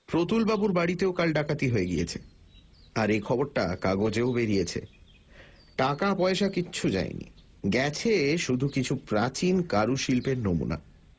প্রতুলবাবুর বাড়িতেও কাল ডাকাতি হয়ে গিয়েছে আর এ খবরটা কাগজেও বেরিয়েছে টাকা পয়সা কিছু যায়নি গেছে শুধু কিছু প্রাচীন কারুশিল্পের নমুনা